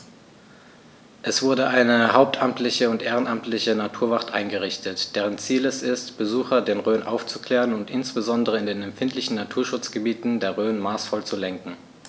Es wurde eine hauptamtliche und ehrenamtliche Naturwacht eingerichtet, deren Ziel es ist, Besucher der Rhön aufzuklären und insbesondere in den empfindlichen Naturschutzgebieten der Rhön maßvoll zu lenken.